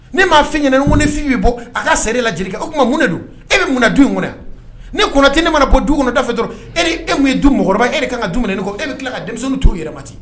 Nii m mafin ɲini kofin bɛ bɔ a ka se la jelikɛ o tuma de do e bɛ munna du in kɔnɔ ni kɔnɔ tɛ ne mana bɔ du kɔnɔ dafɛ dɔrɔn e e tun ye du mɔgɔkɔrɔba e ka kan ka du dumuni ne kɔ e bɛ tila ka denmisɛnnin t'o yɛrɛ ten